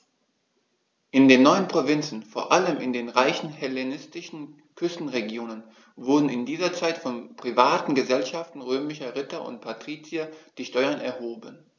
In den neuen Provinzen, vor allem in den reichen hellenistischen Küstenregionen, wurden in dieser Zeit von privaten „Gesellschaften“ römischer Ritter und Patrizier die Steuern erhoben.